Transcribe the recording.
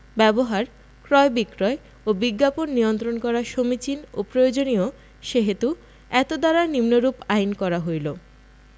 ব্যবহার ক্রয় বিক্রয় ও বিজ্ঞাপন নিয়ন্ত্রণ করা সমীচীন ও প্রয়োজনীয় সেহেতু এতদ্বারা নিম্নরূপ আইন করা হইল